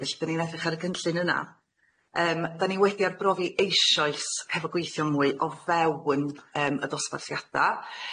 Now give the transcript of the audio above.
Felly 'dyn ni'n edrych ar y cynllun yna. Yym 'dan ni wedi arbrofi eisoes hefo gweithio mwy o fewn yym y dosbarthiada.